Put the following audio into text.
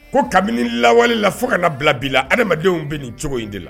Ko kabini lawale la fo ka na bila bi la adamadenw bɛ nin cogo in de la.